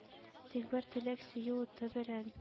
Тик бер теләк: сөю уты белән